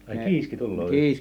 ai kiiski tulee yöllä